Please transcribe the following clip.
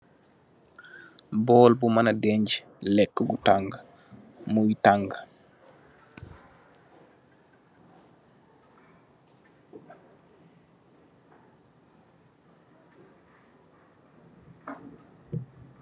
Bóól bu mana denci lekka ngu tanga mui tanga .